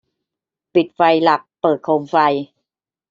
ปิดไฟหลักเปิดโคมไฟ